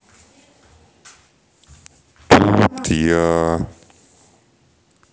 тут я